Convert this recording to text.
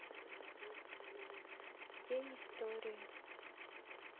день истории